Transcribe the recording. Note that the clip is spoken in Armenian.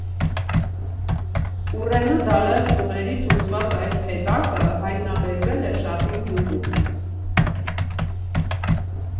Ուռենու դալար ճյուղերից հյուսված այս փեթակը հայտնաբերվել է Շատին գյուղում։